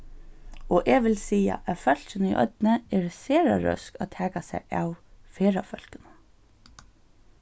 og eg vil siga at fólkini í oynni eru sera røsk at taka sær av ferðafólkunum